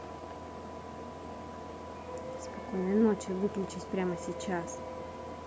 спокойной ночи выключись прямо сейчас